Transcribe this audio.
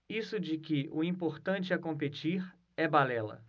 isso de que o importante é competir é balela